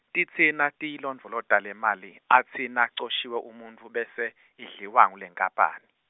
titsi natiyilondvolota lemali, atsi nacoshiwe umuntfu bese, idliwa ngulenkapani.